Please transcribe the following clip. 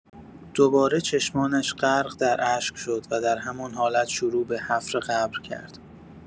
دوباره چشمانش غرق در اشک شد و در همان حالت شروع به حفر قبر کرد.